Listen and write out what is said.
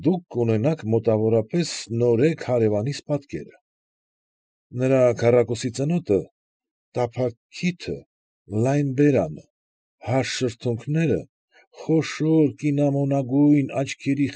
Դուք կունենաք մոտավորապես նորեկ հարևանիս պատկերը, նրա քառակուսի ծնոտը, տափակ քիթը, լայն բերանը, հաստ շրթունքները, խոշոր կինամոնագույն աչքերի։